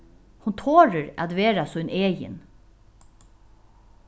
hon torir at vera sín egin